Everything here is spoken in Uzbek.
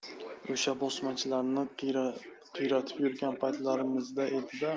o'sha bosmachilarni qiyratib yurgan paytlarimizda edida